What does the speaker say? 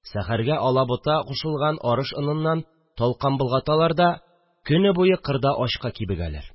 Сәхәргә алабута кушылган арыш оныннан талкан болгаталар да, көне буе кырда ачка кибегәләр